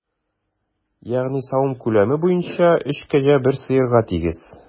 Ягъни савым күләме буенча өч кәҗә бер сыерга тигез.